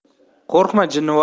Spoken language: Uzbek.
qo'rqma jinnivoy